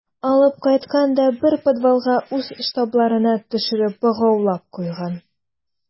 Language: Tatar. Алып кайткан да бер подвалга үз штабларына төшереп богаулап куйган.